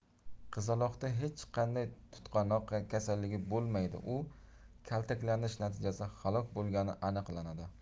qizaloqda hech qanday tutqanoq kasalligi bo'lmaydi u kaltaklanish natijasida halok bo'lgani aniqlanadi